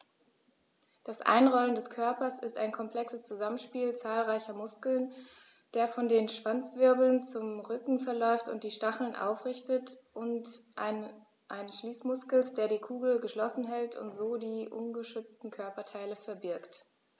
Das Einrollen des Körpers ist ein komplexes Zusammenspiel zahlreicher Muskeln, der von den Schwanzwirbeln zum Rücken verläuft und die Stacheln aufrichtet, und eines Schließmuskels, der die Kugel geschlossen hält und so die ungeschützten Körperteile verbirgt.